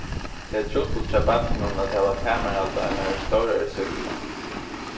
tað er trupult hjá barninum at hava tamarhald á einari stórari súkklu